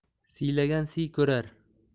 siylagan siy ko'rar